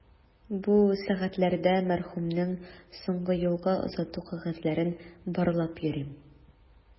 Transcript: Бу сәгатьләрдә мәрхүмнең соңгы юлга озату кәгазьләрен барлап йөрим.